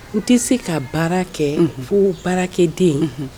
U tɛ se ka baara kɛ fo baarakɛ den